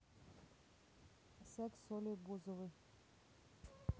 секс с олей бузовой